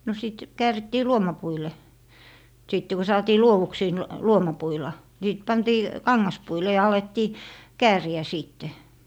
no sitten käärittiin luomapuille sitten kun saatiin luoduksi - luomapuilla niin sitten pantiin kangaspuille ja alettiin kääriä sitten